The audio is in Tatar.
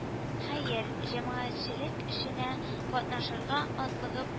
Хәер, җәмәгатьчелек эшенә катнашырга атлыгып